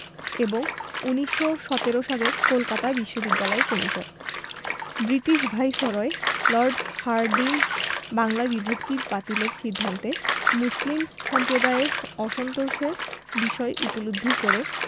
এবং ১৯১৭ সালের কলকাতা বিশ্ববিদ্যালয় commission British viceroy lord Hardinge Bangla বিভক্তি বাতিলের সিদ্ধান্তে মুসলিম সম্প্রদায়ের অসন্তোষের বিষয় উপলব্ধি করে